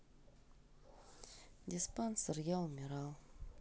диспансер я умирал